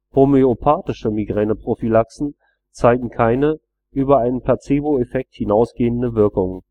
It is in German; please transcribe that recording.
Homöopathische Migräneprophylaxen zeigen keine über einen Placeboeffekt hinausgehende Wirkungen